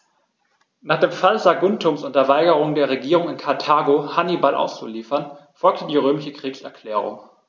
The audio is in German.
Nach dem Fall Saguntums und der Weigerung der Regierung in Karthago, Hannibal auszuliefern, folgte die römische Kriegserklärung.